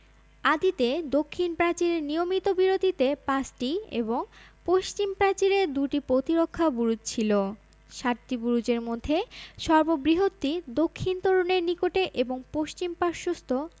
আদিতে দক্ষিণ প্রাচীরে নিয়মিত বিরতিতে পাঁচটি এবং পশ্চিম প্রাচীরে দুটি প্রতিরক্ষা বুরুজ ছিল সাতটি বুরুজের মধ্যে সর্ববৃহৎটি দক্ষিণ তোরণের নিকটে এর পশ্চিম পার্শ্বস্থ